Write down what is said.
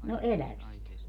no elävistä